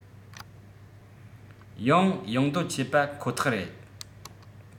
ཡང ཡོང འདོད ཆེ པ ཁོ ཐག རེད